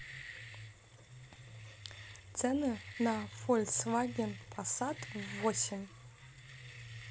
цены на фольксваген пасат в восемь